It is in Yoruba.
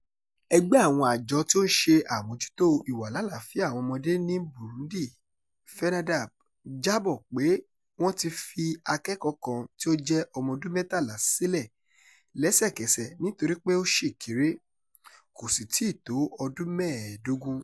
Ẹgbẹ́ Àwọn Àjọ tí ó ń ṣe Àmójútó ìwàlálàáfíà Àwọn ọmọdé ní Burundi (FENADEB) jábọ̀ pé wọ́n ti fi akẹ́kọ̀ọ́ kan tí ó jẹ́ ọmọ ọdún mẹ́tàlá sílẹ̀ lẹ́sẹkẹsẹ̀ nítorí pé ó ṣì kéré, kò sì tí ì tó ọdún mẹ́ẹ̀dógún.